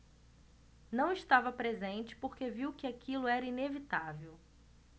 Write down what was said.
não estava presente porque viu que aquilo era inevitável